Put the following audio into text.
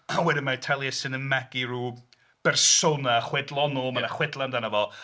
A wedyn mae Taliesin yn magu rhyw bersona Chwedlonol. Mae 'na chwedlau amdano fo.